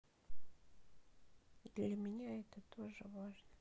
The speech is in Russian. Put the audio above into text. для меня это тоже важно